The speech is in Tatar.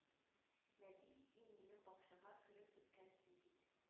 Нәби син минем бакчага кереп беткәнсең бит